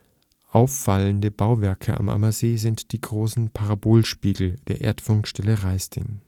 Auffallende Bauwerke am Ammersee sind die großen Parabolspiegel der Erdfunkstelle Raisting